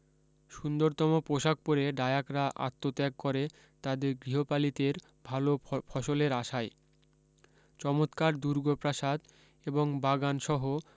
সুন্দরতম পোষাক পড়ে ডায়াকরা আত্মত্যাগ করে তাদের গৃহপালিতের ভালো ফসলের আশায় চমৎকার দুর্গ প্রাসাদ এবং বাগান সহ